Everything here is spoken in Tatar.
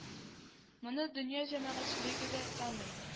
Моны дөнья җәмәгатьчелеге дә таный